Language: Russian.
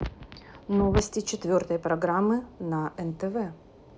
новости четвертой программы на нтв